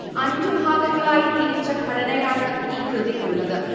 അഞ്ചു ഭാഗങ്ങളായി തിരിച്ച ഘടനയാണ് ഈ കൃതിക്കുള്ളത്